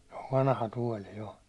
se on vanha tuoli jo